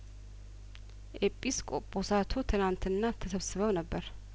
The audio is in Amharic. ኤጲስቆጶስቱ ትላንትና ተሰብስበው ነበር